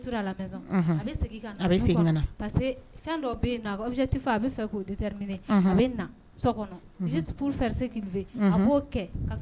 Dɔ a fɛ k'o so b'o